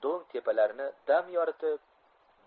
do'ng tepalarni dam yoritib